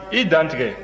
i dantigɛ